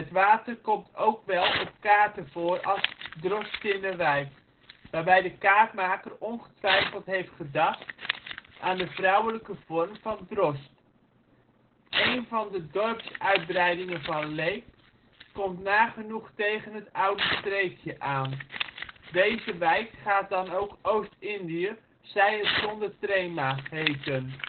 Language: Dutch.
water komt ook wel op kaarten voor als Drostinnewijk, waarbij de kaartenmaker ongetwijfeld heeft gedacht aan de vrouwelijke vorm van drost. Een van de dorpsuitbreidingen van Leek komt nagenoeg tegen het oude streekje aan. Deze wijk gaat dan ook Oostindie (zij het zonder trema) heten